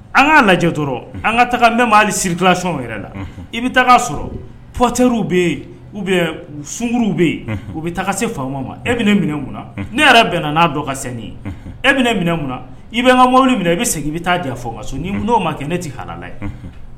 An k'a lajɛ dɔrɔn an ka taga ne b'ale sirilasiɔn yɛrɛ la i bɛ taga' sɔrɔ pɔterriw bɛ yen u bɛ sunkuruw bɛ yen u bɛ taga se faama ma e bɛ ne minɛ mun ne yɛrɛ bɛnna n'a dɔn ka seni e bɛ ne minɛ munna i bɛ an ka mo minɛ i bɛ segin i bɛ taa jan fɔ o ma sɔn ni'o ma kɛ ne tɛ hala ye